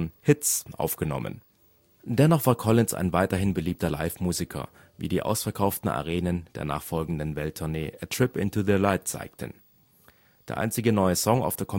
Hits aufgenommen. Dennoch war Collins ein weiterhin beliebter Livemusiker, wie die ausverkauften Arenen der nachfolgenden Welt-Tournee A Trip into the Light zeigten. Der einzige neue Song auf der Kompilation...